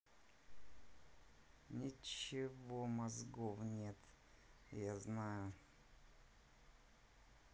ничего мозгов нет я знаю